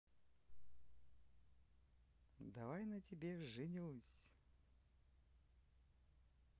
давай на тебе женюсь